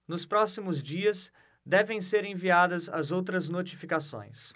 nos próximos dias devem ser enviadas as outras notificações